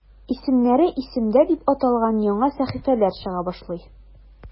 "исемнәре – исемдә" дип аталган яңа сәхифәләр чыга башлый.